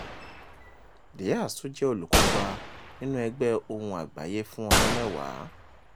Díaz tún jẹ́ olùkópa nínú ẹgbẹ́ Ohùn Àgbáyé fún ọdún mẹ́wàá.